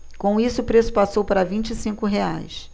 com isso o preço passou para vinte e cinco reais